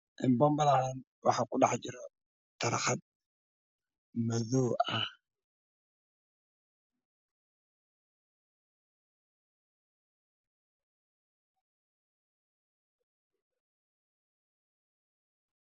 Een bombalahan waxa ku dhex jiro taraxdad madoow ah